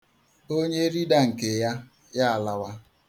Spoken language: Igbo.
Onye ridaa nke ya, ya alawa.